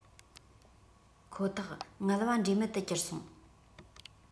ཁོ ཐག ངལ བ འབྲས མེད དུ གྱུར སོང